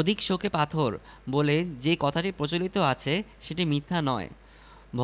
এলেবেলে লেখা শেষ করার আগে অস্বস্তিকর পরিস্থিতি নিয়ে একটি ফরাসি রসিকতা